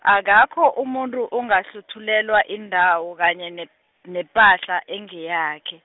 akakho umuntu ongahluthulelwa indawo kanye ne- nepahla engeyakhe.